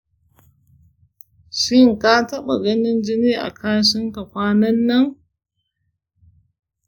shin ka taba ganin jini a kashinka kwanan nan?